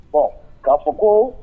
Bon k'a fɔ ko